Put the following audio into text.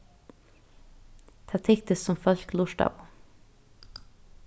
tað tyktist sum fólk lurtaðu